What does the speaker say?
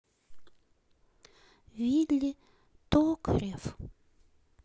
вилли токарев